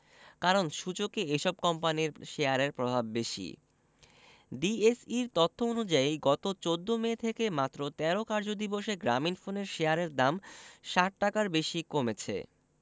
কারণ সূচকে এসব কোম্পানির শেয়ারের প্রভাব বেশি ডিএসইর তথ্য অনুযায়ী গত ১৪ মে থেকে মাত্র ১৩ কার্যদিবসে গ্রামীণফোনের শেয়ারের দাম ৬০ টাকার বেশি কমেছে